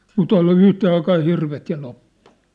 mutta on ollut yhteen aikaan hirvet ja loppu